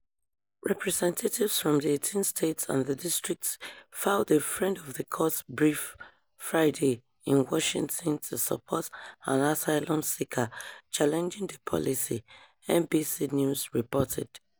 Representatives from the 18 states and the district filed a friend-of-the-court brief Friday in Washington to support an asylum-seeker challenging the policy, NBC News reported.